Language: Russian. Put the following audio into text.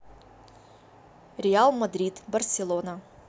реал мадрид барселона